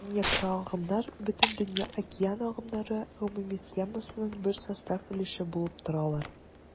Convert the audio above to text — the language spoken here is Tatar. Көньякта агымнар Бөтендөнья океан агымнары гомуми схемасының бер состав өлеше булып торалар.